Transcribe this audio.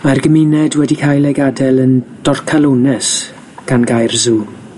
Mae'r gymuned wedi cael ei gadael yn dorcalonus gan gau'r sw.